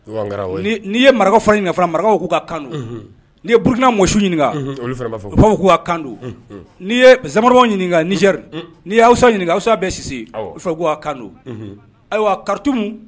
N'i ye marakakaw fara marakaw k'u ka kan nii ye buruunaina mɔsu ɲininka k'ua kan ni ye zw ɲinika niri n'iawsa ɲininkasa bɛ si kou kan ayiwa karitmu